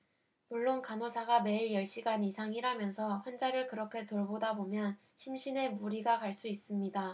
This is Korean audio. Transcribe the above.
물론 간호사가 매일 열 시간 이상 일하면서 환자를 그렇게 돌보다 보면 심신에 무리가 갈 수 있습니다